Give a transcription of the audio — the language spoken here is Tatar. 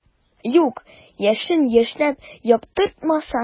Юк, яшен яшьнәп яктыртмаса.